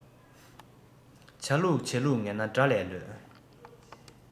བྱ ལུགས བྱེད ལུགས ངན ན དགྲ ལས ལོད